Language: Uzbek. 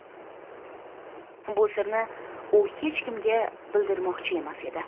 bu sirni u hech kimga bildirmoqchi emas edi